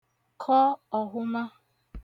kọ ọ̀hụma